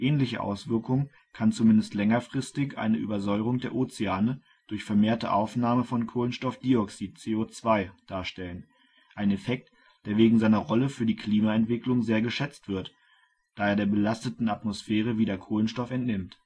Ähnliche Auswirkungen kann zumindest längerfristig eine Übersäuerung der Ozeane durch vermehrte Aufnahme von Kohlenstoffdioxid (CO2) darstellen, ein Effekt, der wegen seiner Rolle für die Klimaentwicklung sehr geschätzt wird, da er der belasteten Atmosphäre wieder Kohlenstoff abnimmt